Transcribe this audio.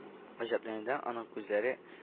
Гаҗәпләнүдән аның күзләре